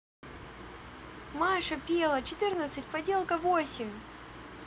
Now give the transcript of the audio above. маша пела четырнадцать поделка восемь